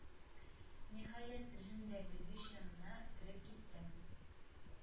Ниһаять, зем дә белгеч янына кереп киттем